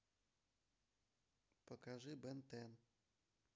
покажи бен тен